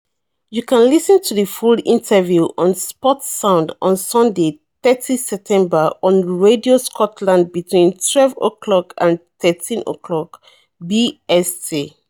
You can listen to the full interview on Sportsound on Sunday, 30 September, on Radio Scotland between 12:00 and 13:00 BST